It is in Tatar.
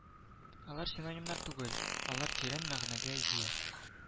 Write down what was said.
Алар синонимнар түгел, алар тирән мәгънәгә ия